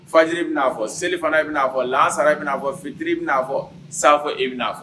Fajiri bɛ'a fɔ selifana e bɛ bɛna'a fɔhasara e bɛ' fɔ fitiri bɛ n'a fɔ sanfo e bɛ bɛna'a fɔ